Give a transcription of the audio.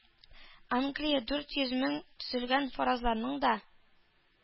Англия – дүрт йөз меңул төзегән фаразларның да